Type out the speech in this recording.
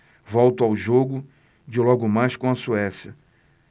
volto ao jogo de logo mais com a suécia